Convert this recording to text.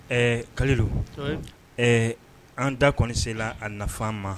Ɛɛ kalilu, oui, ɛɛ an da kɔni sela a nafa ma